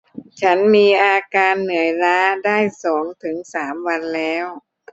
ฉันมีอาการเหนื่อยล้าได้สองถึงสามวันแล้ว